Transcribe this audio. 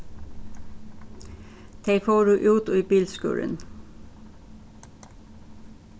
tey fóru út í bilskúrin